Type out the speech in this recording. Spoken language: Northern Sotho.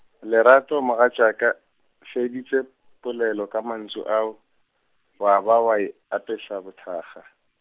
Lerato mogatšaka, feditše polelo ka mantšu ao, wa ba wa e apeša bothakga.